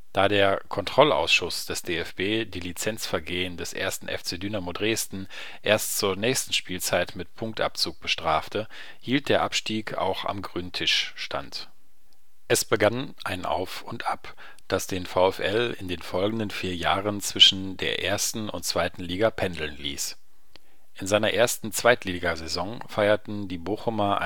Da der Kontrollausschuss des DFB die Lizenzvergehen des 1. FC Dynamo Dresden erst zur nächsten Spielzeit mit Punktabzug bestrafte, hielt der Abstieg auch am Grünen Tisch stand. Es begann ein Auf und Ab, das den VfL in den folgenden vier Jahren zwischen der ersten und zweiten Liga pendeln ließ. In seiner ersten Zweitligasaison feierten die Bochumer